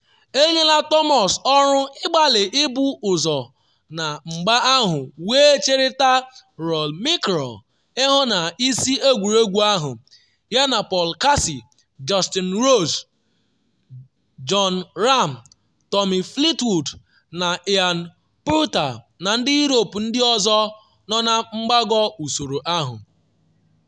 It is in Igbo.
Enyela Thomas ọrụ ịgbalị ibu ụzọ na mgba ahụ wee cherịta Rory McIlroy ihu n’isi egwuregwu ahụ, yana Paul Casey, Justin Rose, Jon Rahm, Tommy Fleetwood na Ian Poulter na ndị Europe ndị ọzọ nọ na mgbago usoro ahụ.